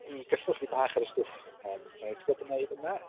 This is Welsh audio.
I gyffwrdd chydig bach ar y stwff yym dan ni 'di bod yn wneud yma.